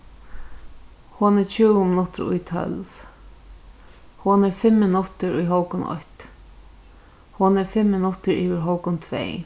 hon er tjúgu minuttir í tólv hon er fimm minuttir í hálvgum eitt hon er fimm minuttir yvir hálvgum tvey